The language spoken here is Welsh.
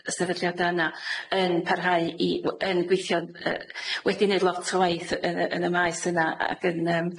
y sefydliada yna yn parhau i w- yn gweithio'n yy- wedi neud lot o waith y- yn y yn y maes yna ag yn yym